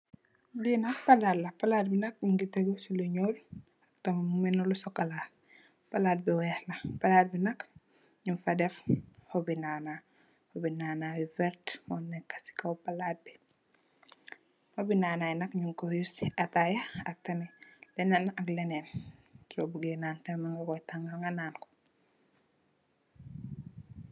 Lii nak plaat la, plaat bii nak mungy tehgu cii lu njull, ak tam mu melni lu chocolat, plaat bu wekh la, plaat bii nak njung fa deff hohbi nana, hohbi nana yu vert moneka cii kaw plaat bii, hohbi nana yii nak njung kor use cii ataya ak tamit lenen ak lenen, sor bugeh nan tamit mun nga kor tangal nga nankor.